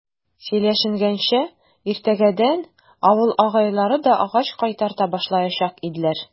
Сөйләшенгәнчә, иртәгәдән авыл агайлары да агач кайтарта башлаячак иделәр.